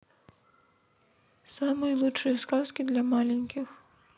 самые лучшие сказки для маленьких